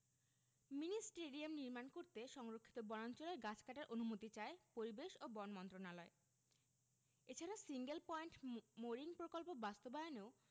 mini stadium নির্মাণ করতে সংরক্ষিত বনাঞ্চলের গাছ কাটার অনুমতি চায় পরিবেশ ও বন মন্ত্রণালয় এছাড়া সিঙ্গেল পয়েন্ট মোরিং প্রকল্প বাস্তবায়নেও